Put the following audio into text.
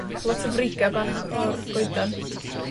Lot o friga' bach o 'r goedan.